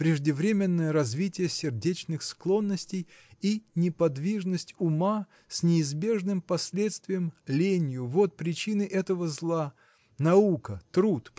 преждевременное развитие сердечных склонностей и неподвижность ума с неизбежным последствием – ленью – вот причины этого зла. Наука труд